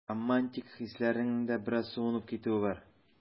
Романтик хисләреңнең дә бераз суынып китүе бар.